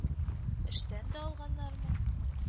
Эштән дә алганнармы